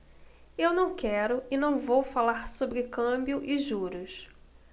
eu não quero e não vou falar sobre câmbio e juros